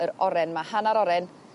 yr oren 'ma hannar oren